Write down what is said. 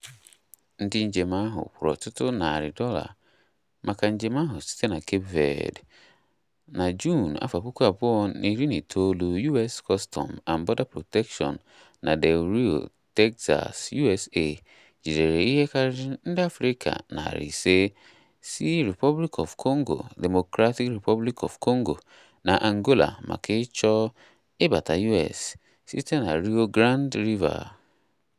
Ndị njem ahụ kwuru "ọtụtụ narị dollar" maka njem ahụ site na Cape Verde. Na Juun 2019, US Customs and Border Protection na Del Rio, Texas, USA, jidere ihe karịrị ndị Afrịka 500 si Republic of the Congo, Democratic Republic of Congo, na Angola, maka ịchọ ịbata USA site na Rio Grande River.